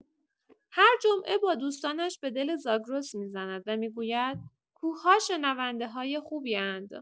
هر جمعه با دوستانش به دل زاگرس می‌زند و می‌گوید کوه‌ها شنونده‌های خوبی‌اند.